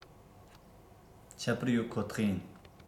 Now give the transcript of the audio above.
ཁྱད པར ཡོད ཁོ ཐག ཡིན